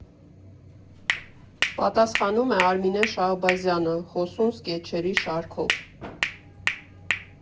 Պատասխանում է Արմինե Շահբազյանը՝ խոսուն սքեթչերի շարքով։